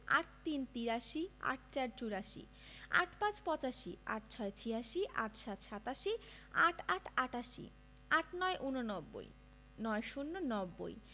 ৮৩ – তিরাশি ৮৪ – চুরাশি ৮৫ – পঁচাশি ৮৬ – ছিয়াশি ৮৭ – সাতাশি ৮৮ – আটাশি ৮৯ – ঊননব্বই ৯০ - নব্বই